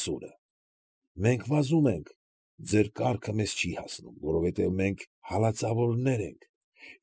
Սուրը։ Մենք վազում ենք, ձեր կառքը մեզ չի հասնում, որովհետև մենք հալածվողներ ենք։